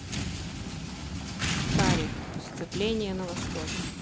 шарик сцепление на восходе